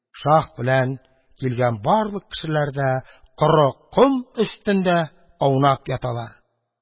Шаһ белән килгән барлык кешеләр дә коры ком өстендә аунап яталар.